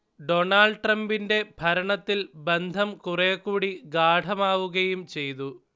Donald ട്രംപിന്റെ ഭരണത്തിൽ ബന്ധം കുറേക്കൂടി ഗാഢമാവുകയും ചെയ്തു